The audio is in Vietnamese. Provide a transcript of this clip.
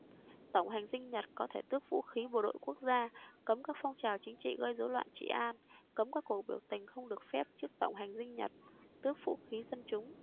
tổng hành dinh nhật có thể tước vũ khí bộ đội quốc gia cấm các phong trào chính trị gây rối loạn trị an cấm các cuộc biểu tình không được phép trước tổng hành dinh nhật tước vũ khí dân chúng